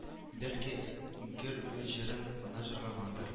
Бәлки, гел үз җырын гына җырлагандыр